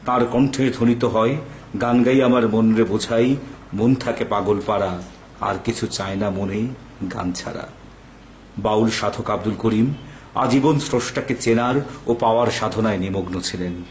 তার কণ্ঠে ধ্বনিত হয় গান গাই আমার মনরে বুঝাই মন থাকে পাগলপারা আর কিছু চায়না মনে গান ছাড়া বাউল সাধক আব্দুল করিম আজীবন স্রষ্টাকে চেনার ও পাওয়ার সাধনায় নিমগ্ন ছিলেন